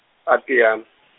a Tiyani.